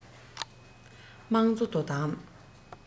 དམངས གཙོ དོ དམ